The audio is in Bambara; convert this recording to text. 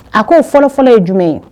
A ko o fɔlɔ fɔlɔ ye jumɛn ye?